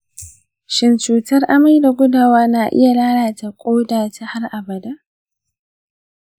shin cutar amai da gudawa na iya lalata ƙodata har abada?